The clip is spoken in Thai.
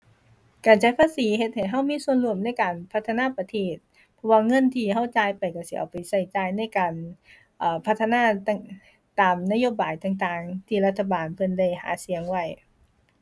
การจ่ายภาษีเฮ็ดให้เรามีส่วนร่วมในการพัฒนาประเทศเพราะว่าเงินที่เราจ่ายไปเราสิเอาไปเราจ่ายในการ เอ่อ พัฒนาต่าง ตามนโยบายต่างต่างที่รัฐบาลเพิ่นได้หาเสียงไว้